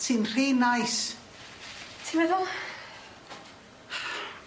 Ti'n rhy neis. Ti meddwl?